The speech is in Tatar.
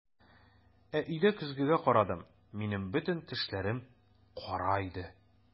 Ә өйдә көзгегә карадым - минем бөтен тешләрем кара иде!